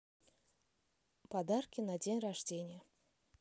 подарки на день рождения